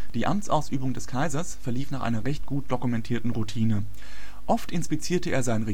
Die Amtsausübung des Kaisers verlief nach einer recht gut dokumentierten Routine: Oft inspizierte er seinen Regierungssitz